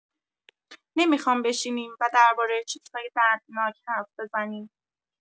نمی‌خوام بشینیم و درباره چیزهای دردناک حرف بزنیم.